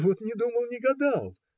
Вот не думал, не гадал,